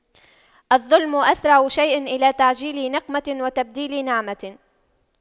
الظلم أسرع شيء إلى تعجيل نقمة وتبديل نعمة